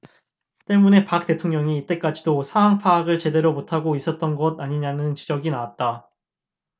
때문에 박 대통령이 이때까지도 상황 파악을 제대로 못하고 있었던 것 아니냐는 지적이 나왔다